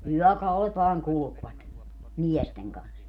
yökaudet vain kulkivat miesten kanssa